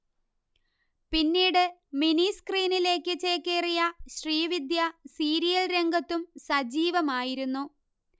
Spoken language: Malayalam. പിന്നീട് മിനി സ്ക്രീനിലേക്ക് ചേക്കേറിയ ശ്രീവിദ്യ സീരിയൽ രംഗത്തും സജീവമായിരുന്നു